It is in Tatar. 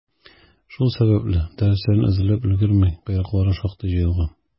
Шул сәбәпле, дәресләрен әзерләп өлгерми, «койрыклары» шактый җыелган.